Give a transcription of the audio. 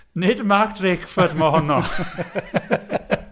Nid Mark Drakeford mae honno .